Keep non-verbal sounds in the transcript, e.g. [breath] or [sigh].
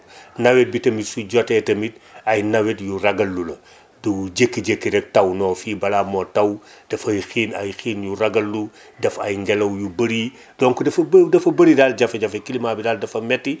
[breath] nawet bi tamit su jotee tamit ay nawet yu ragal lu la te du jékki jékki rek taw non fii balaa moo taw [inhales] dafay xiin ay xiin yu ragal lu [inhales] def ay ngelaw yu bëri [inhales] donc dafa bë dafa bëri daal jafe-jafe climat bi daal dafa métti